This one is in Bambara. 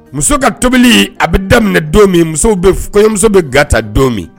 Muso ka tobili a be daminɛ don min musow be f kɔɲɔmuso be ga ta don min